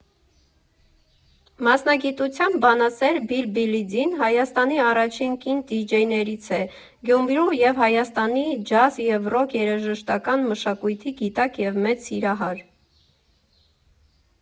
Մասնագիտությամբ բանասեր Բիլբիլիդին Հայաստանի առաջին կին դիջեյներից է, Գյումրու և Հայաստանի ջազ և ռոք երաժշտական մշակույթի գիտակ և մեծ սիրահար։